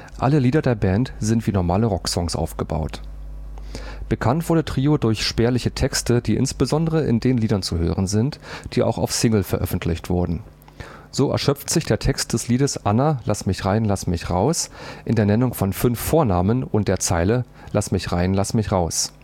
Alle Lieder der Band sind wie normale Rocksongs aufgebaut. Bekannt wurde Trio durch spärliche Texte, die insbesondere in den Liedern zu hören sind, die auch auf Single veröffentlicht wurden. So erschöpft sich der Text des Liedes „ Anna – Lassmichrein lassmichraus “in der Nennung von fünf Vornamen und der Zeile „ Lass mich rein, lass mich raus